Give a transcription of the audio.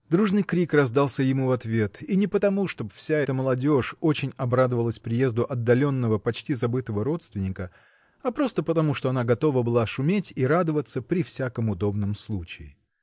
Дружный крик раздался ему в ответ -- и не потому, чтобы вся эта молодежь очень обрадовалась приезду отдаленного, почти забытого родственника, а просто потому, что она готова была шуметь и радоваться при всяком удобном случае.